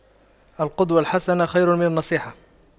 القدوة الحسنة خير من النصيحة